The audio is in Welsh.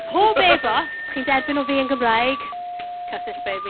Pob ebost, chi'n derbyn o fi yn Gymraeg, Cysill baby.